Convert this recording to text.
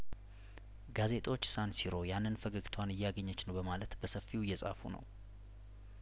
ጋዜጦች ሳንሲሮ ያንን ፈገግታዋን እያገኘች ነው በማለት በሰፊው እየጻፉ ነው